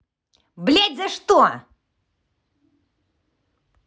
блядь за что